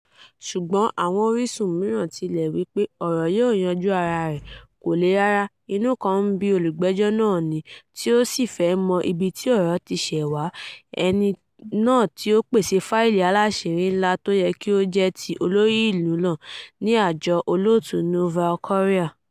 Ṣùgbọ́n àwọn orísun mìíràn tilẹ̀ wí pé ọ̀rọ̀ yóò yanjú ara rẹ̀, "kò le rárá, inú kàn ń bí Olùgbẹ́jọ́ náà ni tí ó sì fẹ́ mọ ibi tí ọ̀rọ̀ ti ṣẹ̀ wá, ẹni náà tí ó pèsè fáìlì aláṣìírí-ńlá tí ó yẹ kí ó jẹ́ ti olórí ìlú náà, ní àjọ olóòtú Nouveau Courrier.